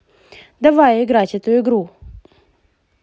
давай играть эту игру